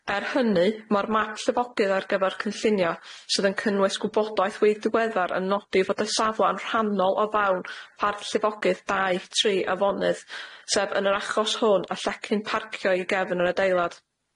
Er hynny ma'r map llyfogydd ar gyfer cynllunio sydd yn cynnwys gwybodaeth wydd diweddar yn nodi fod y safle yn rhannol o fawn parth llyfogydd dau tri afonydd sef yn yr achos hwn a llecyn parcio i gefn yr adeilad.